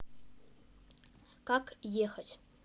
как ехать